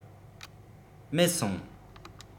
མེད སོང